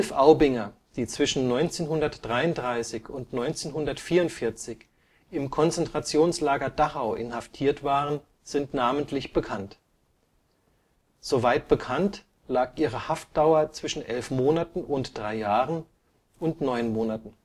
Aubinger, die zwischen 1933 und 1944 im Konzentrationslager Dachau inhaftiert waren, sind namentlich bekannt. Soweit bekannt, lag ihre Haftdauer zwischen elf Monaten und drei Jahren und neun Monaten